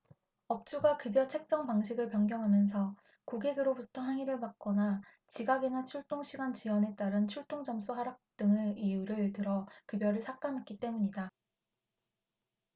업주가 급여 책정 방식을 변경하면서 고객으로부터 항의를 받거나 지각이나 출동 시간 지연에 따른 출동점수 하락 등의 이유를 들어 급여를 삭감했기 때문이다